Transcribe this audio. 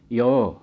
joo